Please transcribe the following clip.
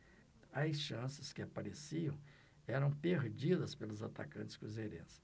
as chances que apareciam eram perdidas pelos atacantes cruzeirenses